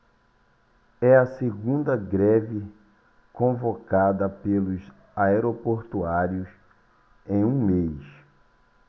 é a segunda greve convocada pelos aeroportuários em um mês